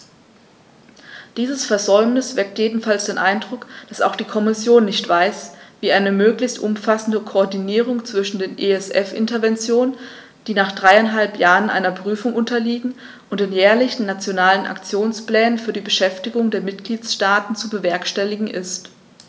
Dieses Versäumnis weckt jedenfalls den Eindruck, dass auch die Kommission nicht weiß, wie eine möglichst umfassende Koordinierung zwischen den ESF-Interventionen, die nach dreieinhalb Jahren einer Prüfung unterliegen, und den jährlichen Nationalen Aktionsplänen für die Beschäftigung der Mitgliedstaaten zu bewerkstelligen ist.